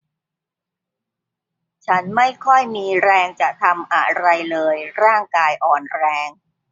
ฉันไม่ค่อยมีแรงจะทำอะไรเลยร่างกายอ่อนแรง